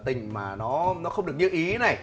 tình mà nó nó không được như ý này